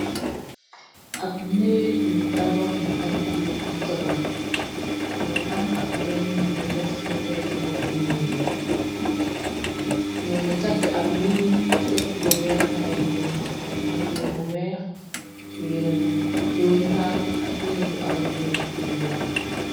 Ab neeg buñu tabax mu am culoor bo xëlle moo nga am ab weñ biñu def te pegg ba bu ñuul ñoo ngi takk ab liiñ sa ëtt ba weerfa ay yire moo ngi am yire bu weex yire bu doom taal ak yire bu am rëderu dii bula.